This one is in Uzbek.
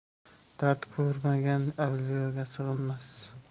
dard ko'rmagan avliyoga sig'inmas